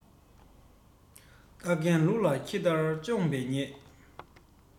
སྟག རྒན ལུག ལ ཁྱི ལྟར མཆོངས པས ཉེས